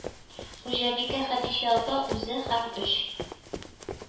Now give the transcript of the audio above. Хуҗабикә Хәдичә апа үзе һәм өч